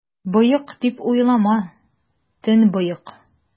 Боек, дип уйлама, төнбоек!